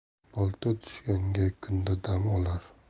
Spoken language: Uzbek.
bolta tushguncha kunda dam olar